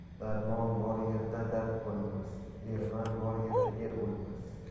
darmon bor yerda dard bo'lmas erman bor yerda er o'lmas